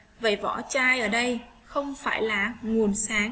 vậy vỏ chai ở đây không phải là nguồn sáng